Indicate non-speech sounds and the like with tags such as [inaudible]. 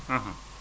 [hesitation] [hesitation]